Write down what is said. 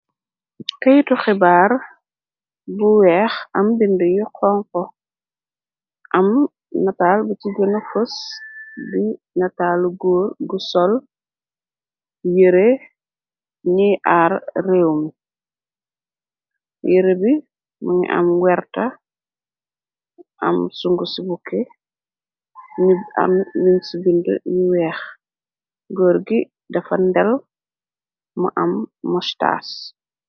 Keytu xibaar bu weex am bind yi xon xo am nataal ba ci gëna fos di nataalu góor gu sol yëre ñi aar réew mi yëre bi më ngi am werta am sungu ci bukke nib am mins bind yu weex gór gi dafa ndel mu am mostas.